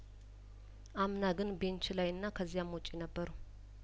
አምና ግን ቤንች ላይ እና ከዚያም ውጪ ነበሩ